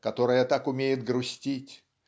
которая так умеет грустить